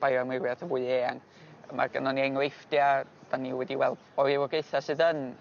bioamrywiaeth yn fwy eang. Hmm. Ma' gynnon ni enghreifftia' 'dan ni wedi weld o rywogaetha sydd yn